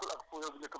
waaw